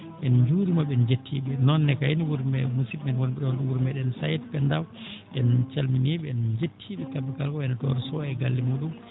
en NjuurIima ɓe en njettii ɓe noon ne kay ne wuro meeɗen musidɓe meeɗen wonɓe ɗoon ɗo wuro meeɗen SAED Pendaw en calminii ɓe en njettii ɓe kamɓe ko wayi no Abou Soow e galle muuɗum